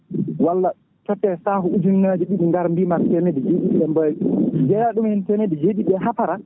walla toote sak ujunnaje ɗiɗi gara mbima ko temedde jeeɗiɗi ɓe mbawi jeeya ɗumen temedde jeeɗiɗi ɗe ha paara